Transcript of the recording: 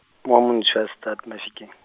mo Montshiwa Stad Mafikeng.